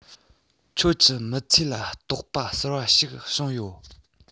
ཁྱོད ཀྱིས མི ཚེ ལ རྟོག པ གསར པ ཞིག བྱུང ཡོད